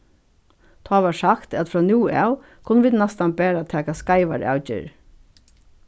tá varð sagt at frá nú av kunnu vit næstan bara taka skeivar avgerðir